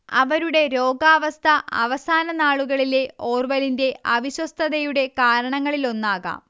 അവരുടെ രോഗാവസ്ഥ അവസാന നാളുകളിലെ ഓർവെലിന്റെ അവിശ്വസ്തതയുടെ കാരണങ്ങളിലൊന്നാകാം